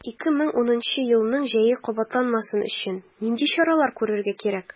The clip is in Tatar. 2010 елның җәе кабатланмасын өчен нинди чаралар күрергә кирәк?